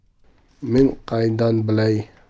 men qaydan bilay